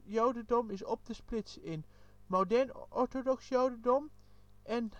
jodendom is op te splitsen in: Modern-orthodox jodendom en